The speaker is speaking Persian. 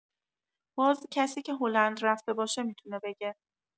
باز کسی که هلند رفته باشه می‌تونه بگه